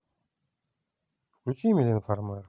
включи милен фармер